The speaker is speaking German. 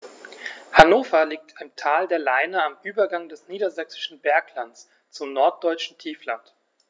Hannover liegt im Tal der Leine am Übergang des Niedersächsischen Berglands zum Norddeutschen Tiefland.